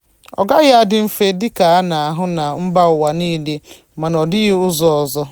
Ọgaghị adị mfe dịka a na-ahụ na mbaụwa niile, mana ọdịghị ụzọ ọzọ.